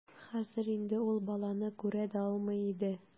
Хәзер инде ул баланы күрә дә алмый иде.